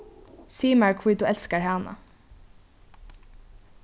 sig mær hví tú elskar hana